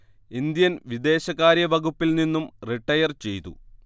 Indian വിദേശകാര്യ വകുപ്പിൽ നിന്നും റിട്ടയർ ചെയ്തു